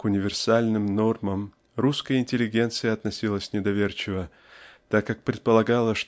к универсальным нормам русская интеллигенция относилась недоверчиво так как предполагала